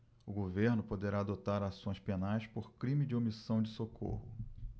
o governo poderá adotar ações penais por crime de omissão de socorro